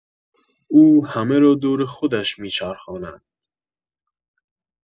او همه را دور خودش می‌چرخاند